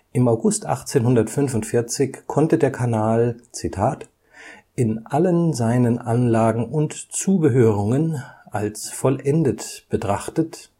Im August 1845 konnte der Kanal „ in allen seinen Anlagen und Zubehörungen … als vollendet betrachtet